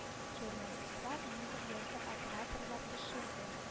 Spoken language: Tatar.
Журналистлар нидер язды операторлар төшерде